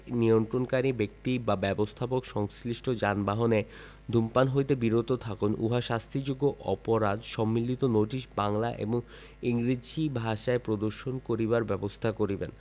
নিয়ন্ত্রণকারী ব্যক্তি বা ব্যবস্থাপক সংশ্লিষ্ট যানবাহনে ধূমপান হইতে বিরত থাকুন উহা শাস্তিযোগ্য অপরাধ সম্বলিত নোটিশ বাংলা এবং ইংরেজী ভাষায় প্রদর্শন করিবার ব্যবস্থা করিবেন